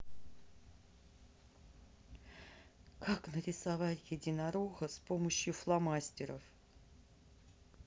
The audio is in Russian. как нарисовать единорога с помощью фломастеров